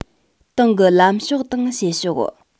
ཏང གི ལམ ཕྱོགས དང བྱེད ཕྱོགས